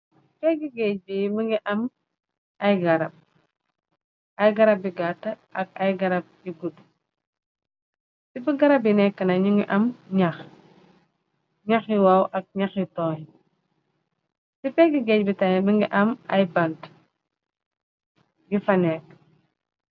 peggi géej bi mëngi am ay garab, bi gatta ak ay garab bi gudd, ci pë garab yi nekk na ñu ngi am ñax, ñaxi waw ak ñaxi tooy, ci peggi géej bi taé, mi ngi am ay bant gi fa nekk.